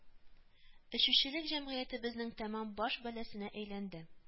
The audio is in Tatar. Эчүчелек җәмгыятебезнең тәмам баш бәласенә әйләнде